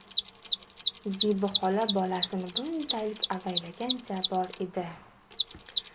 zebi xola bolasini bunchalik avaylagancha bor edi